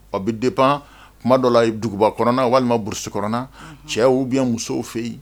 Ɔ bɛ de pan kuma dɔ la duguba kɔnɔnana walimaurusi kɔnɔnana cɛ bɛyan musow fɛ yen